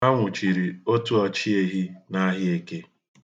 A nwuchiri otu ọchịehi n'ahịa Eke.